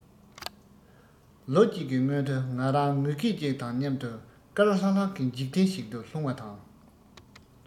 ལོ གཅིག གི སྔོན དུ ང རང ངུ སྐད གཅིག དང མཉམ དུ དཀར ལྷང ལྷང གི འཇིག རྟེན ཞིག ཏུ ལྷུང བ དང